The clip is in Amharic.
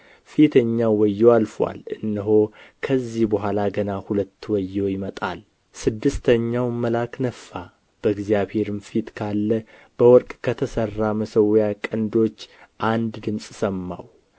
ፊተኛው ወዮ አልፎአል እነሆ ከዚህ በኋላ ገና ሁለት ወዮ ይመጣል ስድስተኛውም መልአክ ነፋ በእግዚአብሔርም ፊት ካለ በወርቅ ከተሠራ መሠዊያ ቀንዶች አንድ ድምፅ ሰማሁ